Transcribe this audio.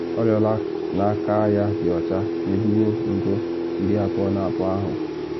Ọ rịọla na aka ya dị ọcha n’ebubo ngụ-22 ahụ.